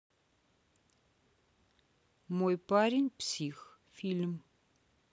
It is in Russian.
мой парень псих фильм